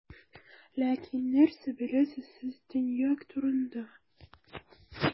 Ләкин нәрсә беләсез сез Төньяк турында?